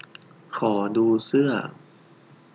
ขอดูเสื้อ